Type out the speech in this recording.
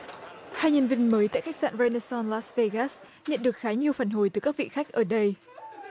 hai nhân viên mới tại khách sạn vê nê son lát vê gát nhận được khá nhiều phản hồi từ các vị khách ở đây